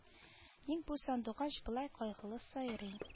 Ник бу сандугач болай кайгылы сайрый